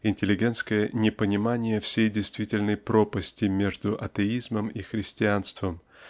интеллигентское непонимание всей действительной пропасти между атеизмом и христианством